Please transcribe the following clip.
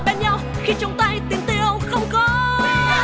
nhau khi trong tay tiền tiêu không có